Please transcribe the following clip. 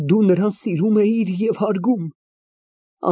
Դու նրան սիրում էիր և հարգում։